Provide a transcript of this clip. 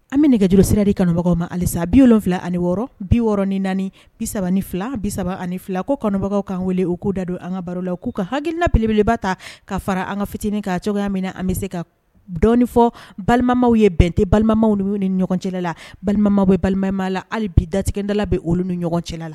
An bɛ nɛgɛjlo sira de kanubagaw ma halisa biy wolonwula ani wɔɔrɔ biɔrɔn ni naani bi3 ni fila bi3 ani fila ko kanubagaw kan wele u k'u da don an baro la k'u ka hakilina belebeleba ta ka fara an ka fitinin ka cogoya minɛ an bɛ se ka dɔnfɔ balimamaw ye bɛn tɛ balimaw ninnu ni ɲɔgɔncɛ la balimama bɛ balimamaa la hali bi datigɛdala bɛ olu ni ɲɔgɔn cɛlala la